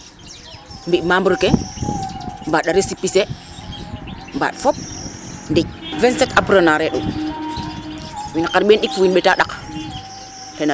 mbi membre ke mbaɗa récipicer mbaɗ fop ndiki 27 apprenants re u win qarɓen ɗik fo win ɓetaɗak